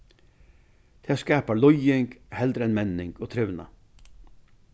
tað skapar líðing heldur enn menning og trivnað